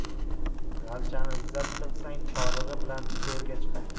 g'alchani izzat qilsang chorig'i bilan to'rga chiqar